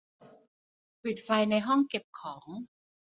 ปิดไฟในห้องเก็บของ